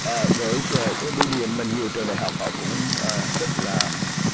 ờ gửi từ bưu điện mà nhiều trường đại học họ cũng rất là